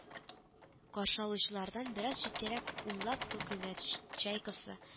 Каршы алучылардан бераз читтәрәк унлап хөкүмәт “Чайкасы